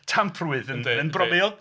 Tamprwydd yn .